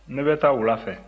ne bɛ taa wula fɛ